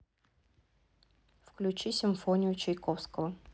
включи симфонию чайковского